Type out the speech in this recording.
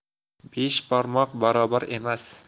besh barmoq barobar emas